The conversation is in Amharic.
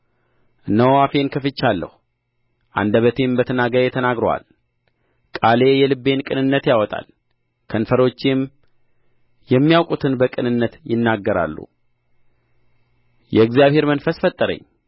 እነሆ አፌን ከፍቻለሁ አንደበቴም በትናጋዬ ተናግሮአል ቃሌ የልቤን ቅንነት ያወጣል ከንፈሮቼም የሚያውቁትን በቅንነት ይናገራሉ የእግዚአብሔር መንፈስ ፈጠረኝ